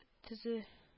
Төзе